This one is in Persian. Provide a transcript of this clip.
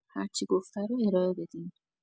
هرچی گفته رو ارائه بدین